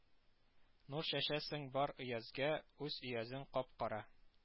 Нур чәчәсең бар өязгә, үз өязең кап-кара